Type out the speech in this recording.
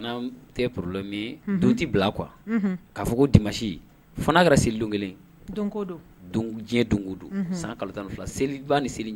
N'an tɛ problème ye, unhun, don tɛ bila quoi unhun, k'a fɔ ko dimanche fo n'a kɛra selidon kelen ye, donko don, don diɲɛ don o don, unhun, san kalo tan ni fila seliba ni selin